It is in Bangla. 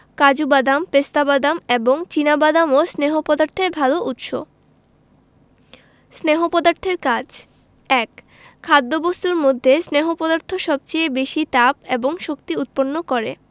কাজু বাদাম পেস্তা বাদাম এবং চিনা বাদামও স্নেহ পদার্থের ভালো উৎস স্নেহ পদার্থের কাজ ১ খাদ্যবস্তুর মধ্যে স্নেহ পদার্থ সবচেয়ে বেশী তাপ এবং শক্তি উৎপন্ন করে